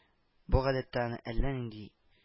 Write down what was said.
Бу гадәте аны әллә нинди